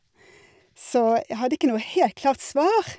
Så, jeg hadde ikke noe helt klart svar.